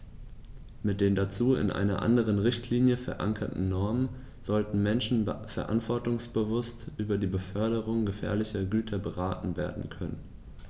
Mit den dazu in einer anderen Richtlinie, verankerten Normen sollten Menschen verantwortungsbewusst über die Beförderung gefährlicher Güter beraten werden können.